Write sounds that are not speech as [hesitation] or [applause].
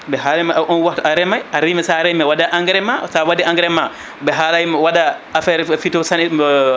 ɓe haalima on waftu a reemay a reemi sa reemi a waɗay engrais ma sawaɗi engrais ɓe haalay waɗa affaire o phytosant [hesitation]